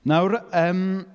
Nawr yym...